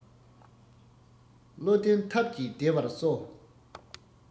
བློ ལྡན ཐབས ཀྱིས བདེ བར གསོ